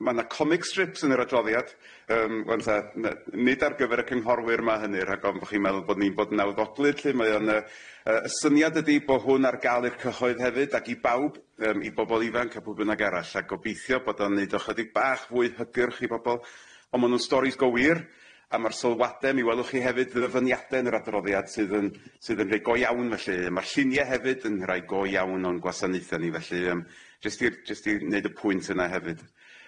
ma' 'na comic strips yn yr adroddiad yym fatha n- nid ar gyfer y cynghorwyr ma' hynny rhag ofn bo chi'n meddwl bo ni'n bod yn nawddoglyd lly mae o'n yy yy y syniad ydi bo hwn ar ga'l i'r cyhoedd hefyd ac i bawb yym i bobol ifanc a pw' bynnag arall a gobeithio bod o'n neud o chydig bach fwy hygyrch i bobol on' ma' nw'n storis go wir a ma'r sylwade mi welwch chi hefyd ddyfyniade yn yr adroddiad sydd yn sydd yn rhei go iawn felly a ma'r llunie hefyd yn rhai go iawn o'n gwasanaethe ni felly yym jyst i'r jyst i neud y pwynt yna hefyd.